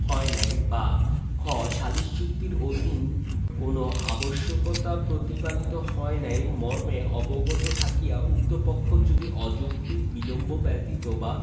হয় নাই বা খ সালিস চুক্তির অধীন কোন আবশ্যকতা প্রতিপালিত হয় নাই মর্মে অবগত থাকিয়া উক্ত পক্ষ যদি অযৌক্তিক বিলম্ব ব্যতীত বা